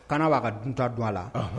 Kaana b'a ka duta don a la